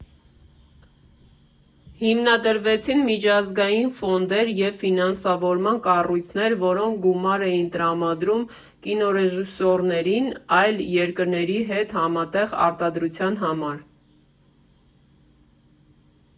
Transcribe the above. Հիմնադրվեցին միջազգային ֆոնդեր և ֆինանսավորման կառույցներ, որոնք գումար էին տրամադրում կինոռեժիսորներին այլ երկրների հետ համատեղ արտադրության համար։